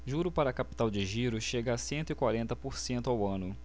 juro para capital de giro chega a cento e quarenta por cento ao ano